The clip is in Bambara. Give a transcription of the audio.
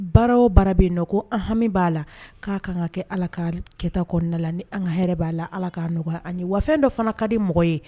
Baaraw bara bɛ yen nɔ ko an hami b'a la k'a kaan ka kɛ ala ka kɛta kɔnɔnaɛ la ni an hɛrɛ b'a la ala ka nɔgɔya an ye wafɛn dɔ fana ka di mɔgɔ ye